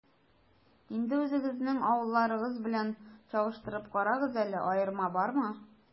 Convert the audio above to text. Инде үзегезнең авылларыгыз белән чагыштырып карагыз әле, аерма бармы?